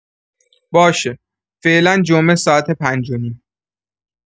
باشه، فعلا جمعه ساعت پنج‌ونیم.